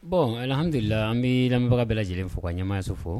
Bon lhamdulila an bɛranbaga bɛɛ lajɛlen fo k kaa ɲɛmaa yeso fo